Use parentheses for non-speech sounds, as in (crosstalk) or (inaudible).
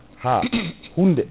ha hunde (clears throat)